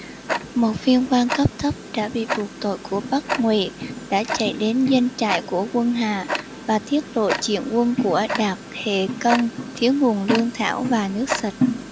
một viên quan cấp thấp đã bị buộc tội của bắc ngụy đã chạy trốn đến doanh trại của quân hạ và tiết lộ chuyện quân của đạt hề cân thiếu nguồn lương thảo và nước sạch